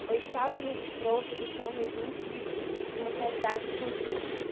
o estado registrou redução nos índices de mortalidade infantil